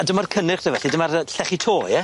A dyma'r cynnyrch te felly dyma'r yy llechi to ie?